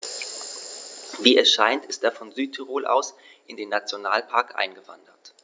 Wie es scheint, ist er von Südtirol aus in den Nationalpark eingewandert.